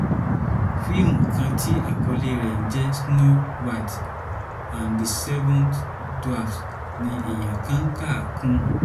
Fíìmù kan tí àkọlé ẹ jẹ́ “Snow White and the Seven Dwarfs” ni èèyàn kan kà á kún.”